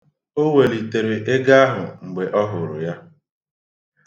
O welitere ego ahụ mgbe ọ hụrụ ya.